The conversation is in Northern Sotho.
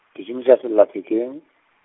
ke šomiša sele lethekeng.